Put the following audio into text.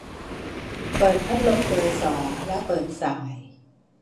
เปิดพัดลมเบอร์สองและเปิดส่าย